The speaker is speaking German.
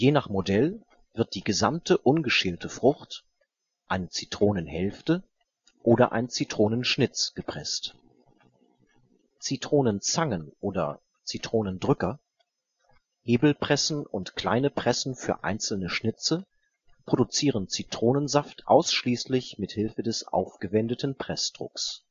nach Modell wird die gesamte ungeschälte Frucht, eine Zitronenhälfte oder ein Zitronenschnitz gepresst. Zitronenzangen oder - drücker, Hebelpressen und kleine Pressen für einzelne Schnitze produzieren Zitronensaft ausschließlich mithilfe des aufgewendeten Pressdrucks